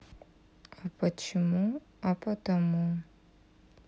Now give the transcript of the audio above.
а почему а потому